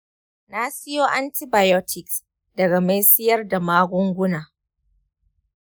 na siyo antibiotics daga mai siyar da magunguna.